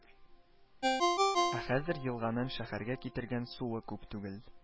Ә хәзер елганың шәһәргә китергән суы күп түгел